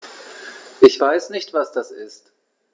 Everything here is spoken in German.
Ich weiß nicht, was das ist.